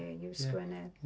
Yws Gwynedd.